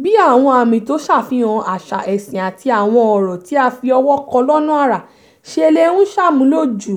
Bí àwọn àmì tó ṣàfihan àṣà/ẹ̀sìn àti àwọn ọ̀rọ̀ tí a fi ọwọ́ kọ lọ́nà àrà ṣe lẹ̀ ń ṣàmúlò jù